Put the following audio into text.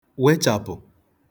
wechàpụ̀